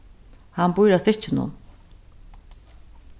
hann býr á stykkinum